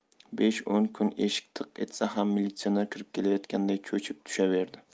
besh o'n kun eshik tiq etsa ham militsioner kirib kelayotganday cho'chib tushaverdi